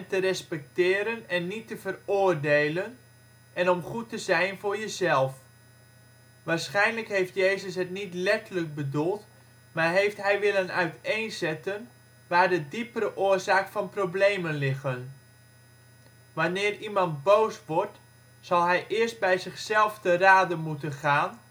respecteren en niet te veroordelen en om goed te zijn voor jezelf. Waarschijnlijk heeft Jezus het niet letterlijk bedoeld, maar heeft Hij willen uiteenzetten waar de diepere oorzaak van problemen liggen. Wanneer iemand boos wordt zal hij eerst bij zichzelf te rade moeten gaan